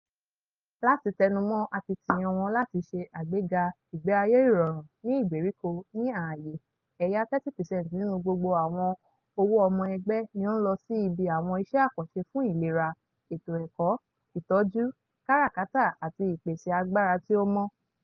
Láti tẹnumọ́ akitiyan wọn láti ṣe àgbéga ìgbé ayé ìrọ̀rùn ní ìgbèríko ní ààyè "ẹ̀yà", 30% nínú gbogbo àwọn owó ọmọ ẹgbẹ́ ni ó ń lọ síbi àwọn iṣẹ́ àkànṣe fún ìlera, ètò ẹ̀kọ́, ìtọ́jú, káràkátà àti ìpèsè agbára tí ó mọ́.